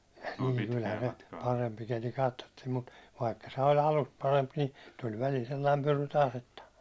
niin kyllähän se parempi keli katsottiin mutta vaikka se oli alusta parempi niin tuli välillä sellainen pyry taas että